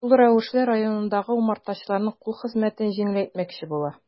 Шул рәвешле районындагы умартачыларның кул хезмәтен җиңеләйтмәкче була.